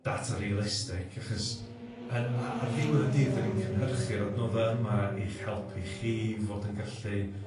data realistic, achos yn a- ar ddiwedd y dydd 'dan ni'n cynhyrchu'r adnodda' yma i'ch helpu chi i fod yn gallu